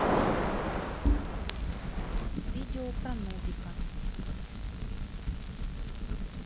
видео про нубика